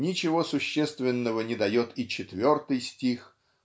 ничего существенного не дает и четвертый стих